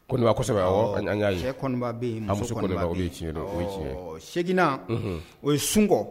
Kɔniba kosɛbɛ, awɔ, an y'a ye, cɛ Kɔniba bɛ yen, muso Kɔniba bɛ yen seginna o ye Sunkɔ